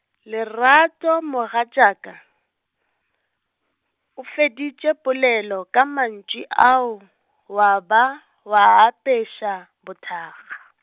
Lerato mogatšaka, o feditše polelo ka mantšu ao wa ba, wa e apeša bothakga.